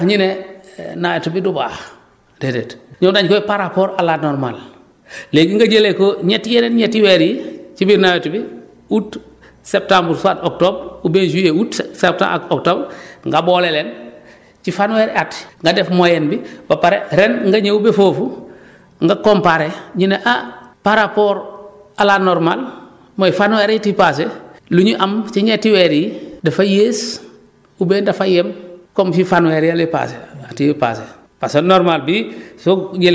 ci normal bi mais loolu mënul tax ñu ne nawet bi du baax déedéet non :dea dañ koy par rapport à la normale léegi nga jëlee ko ñetti yeneen ñetti weer yi ci biir nawet bi août septembre soit octobre oubien juillet août sep septembre ak octobre nga boole leen ci fanweeri at yi nga def moyenne bi ba pare ren nga ñëw ba foofu nga comparer ñu ne ah par rapport à la normale mooy fanweeri at yii passé lu ñuy am si ñetti weer yi dafa yées oubien dafa yem comme si fanweer yële passé at yu passé